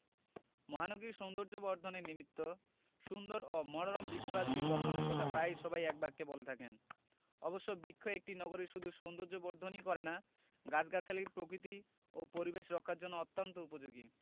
মহানগরীর সৌন্দর্যবর্ধনের নিমিত্ত সুন্দর ও মনোরম বৃক্ষরাজি রোপণের কথা প্রায় সবাই একবাক্যে বলে থাকেন অবশ্য বৃক্ষ একটি নগরীর শুধু সৌন্দর্যবর্ধনই করে না গাছগাছালি প্রকৃতি ও পরিবেশ রক্ষার জন্যও অত্যন্ত উপযোগী